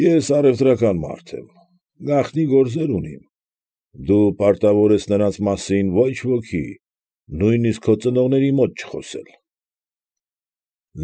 Ես առևտրական մարդ եմ, գաղտնի գործեր ունիմ, դու պարտավոր ես նրանց մասին ոչ ոքի նույնիսկ քո ծնողների մոտ չխոսել։